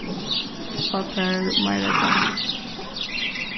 fá tær meira kaku